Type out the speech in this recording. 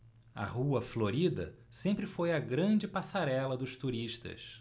a rua florida sempre foi a grande passarela dos turistas